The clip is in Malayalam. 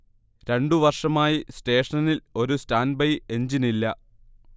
രണ്ടു വർഷമായി സ്റ്റേഷനിൽ ഒരു സ്റ്റാന്റ് ബൈ എഞ്ചിനില്ല